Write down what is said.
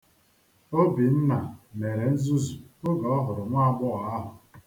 Obinna mere nzuzu oge ọ hụrụ nwaagbọghọ ahụ.